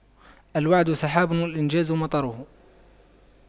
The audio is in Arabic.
الوعد سحاب والإنجاز مطره